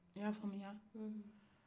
i y'a famuya